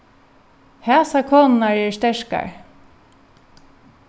hasar konurnar eru sterkar